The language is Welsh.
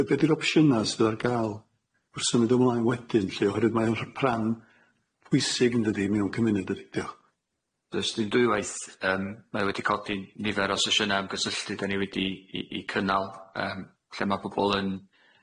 Be 'di'r opsiyna sydd ar ga'l wrth symud ymlaen wedyn lly, oherwydd mae o'n rhan pwysig yn dydi mewn cymuned yn dydi? Diolch. Does dim dwywaith, yy mae wedi codi mewn nifer o sesiyna ymgysylltu 'dan ni wedi i i cynnal yym, lle ma' pobol yn,